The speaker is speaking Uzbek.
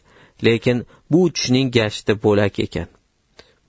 lekin bu uchishning gashti bo'lak ekan